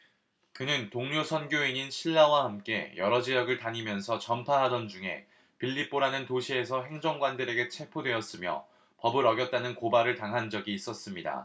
그는 동료 선교인인 실라와 함께 여러 지역을 다니면서 전파하던 중에 빌립보라는 도시에서 행정관들에게 체포되었으며 법을 어겼다는 고발을 당한 적이 있었습니다